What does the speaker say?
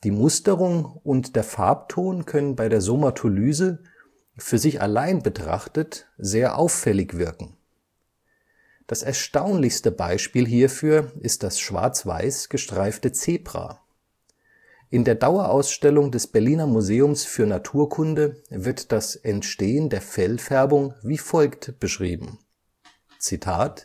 Musterung und der Farbton können bei der Somatolyse, für sich allein betrachtet, sehr auffällig wirken. Das erstaunlichste Beispiel hierfür ist das schwarz-weiß gestreifte Zebra. In der Dauerausstellung des Berliner Museums für Naturkunde wird das Entstehen der Fellfärbung wie folgt beschrieben: „ Der